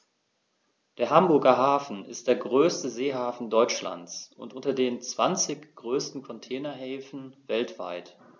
Der Hamburger Hafen ist der größte Seehafen Deutschlands und unter den zwanzig größten Containerhäfen weltweit.